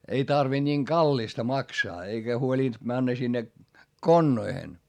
ei tarvinnut niin kallista maksaa eikä huolinut mennä sinne konnoihin